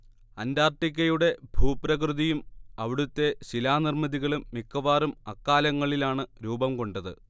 അന്റാർട്ടിക്കയുടെ ഭൂപ്രകൃതിയും അവിടുത്തെ ശിലാനിർമ്മിതികളും മിക്കവാറും അക്കാലങ്ങളിലാണ് രൂപം കൊണ്ടത്